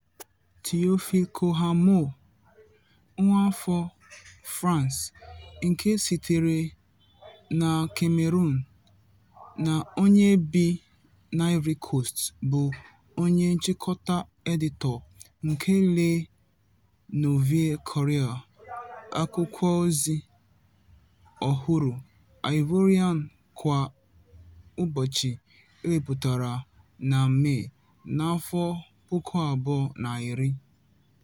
Théophile Kouamouo, nwaafọ France nke sitere na Cameroon na onye bi n'Ivory Coast, bụ onye Nchịkọta Editọ nke Le Nouveau Courrier, akwụkwọozi ọhụrụ Ivorian kwa ụbọchị e wepụtara na Mee 2010.